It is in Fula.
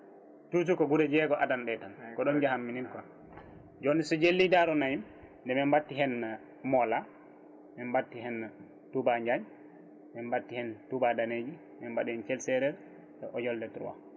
toujours ko guure jeegom adana ɗe tan ko ɗon jayanmi ni quoi joni so jelli Darou nayyi nde min batti hen Moola min mbatti hen Touba Diagne min mbatti hen Touba Daneji min mbaɗi hen Thiel Sérére e Hodiolde 3